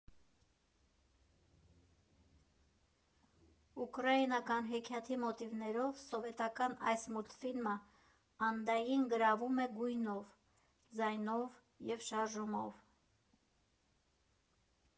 Ուկրաինական հեքիաթի մոտիվներով սովետական այս մուլտֆիլմը Անդային գրավում է գույնով, ձայնով և շարժումով։